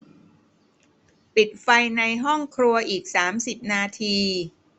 ปิดไฟในห้องครัวอีกสามสิบนาที